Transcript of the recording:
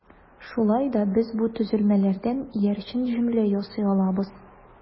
Шулай да без бу төзелмәләрдән иярчен җөмлә ясый алабыз.